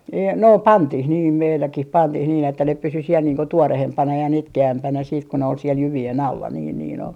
- no pantiin niin meilläkin pantiin niin että ne pysyi siellä niin kuin tuoreempana ja nitkeämpänä sitten kun ne oli siellä jyvien alla niin niin oli